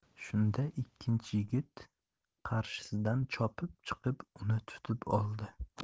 shunda ikkinchi yigit qarshisidan chopib chiqib uni tutib oldi